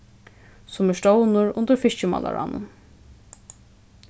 sum er stovnur undir fiskimálaráðnum